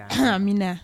Amiina